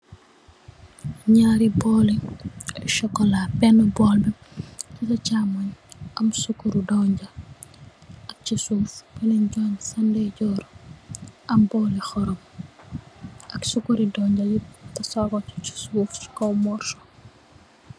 Naari bowli cxocola bena bowl bi si ca cxamun am sukurri donju ak si suuf benen bagi si ndeyejorr am bowli xorom ak sukurri donga tasare ku si suuf si kaw murso.